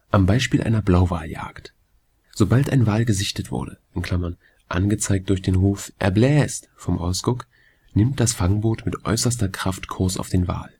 Am Beispiel einer Blauwaljagd: Sobald ein Wal gesichtet wurde (angezeigt durch den Ruf „ Er bläst “vom Ausguck), nimmt das Fangboot mit äußerster Kraft Kurs auf den Wal